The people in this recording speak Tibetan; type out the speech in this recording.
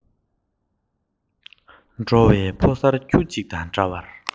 འགྲོ བའི ཕོ གསར ཁྱུ གཅིག དང འདྲ བར